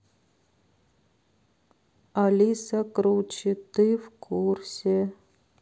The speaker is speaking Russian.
алиса круче ты в курсе